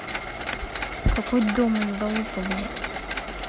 какой дом из залупа блядь